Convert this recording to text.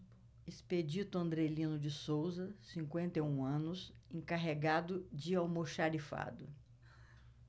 expedito andrelino de souza cinquenta e um anos encarregado de almoxarifado